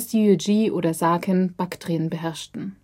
Yuezhi oder Saken Baktrien beherrschten